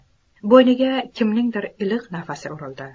bo'yniga kimningdir iliq nafasi urildi